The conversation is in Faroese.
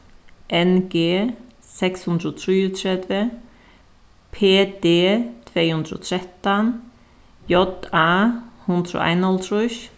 n g seks hundrað og trýogtretivu p d tvey hundrað og trettan j a hundrað og einoghálvtrýss